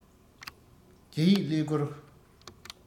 རྒྱ ཡིག ཀླད ཀོར